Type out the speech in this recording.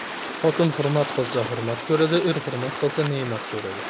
xotin hurmat qilsa hurmat ko'radi er hurmat qilsa ne'mat ko'radi